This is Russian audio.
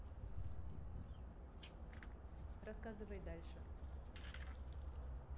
рассказывай дальше